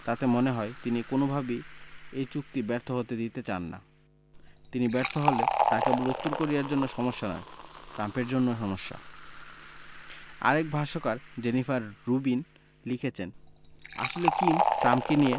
তাতে মনে হয় তিনি কোনোভাবেই এই চুক্তি ব্যর্থ হতে দিতে চান না তিনি ব্যর্থ হলে তা কেবল উত্তর কোরিয়ার জন্য সমস্যা নয় ট্রাম্পের জন্যও সমস্যা আরেক ভাষ্যকার জেনিফার রুবিন লিখেছেন আসলে কিম ট্রাম্পকে নিয়ে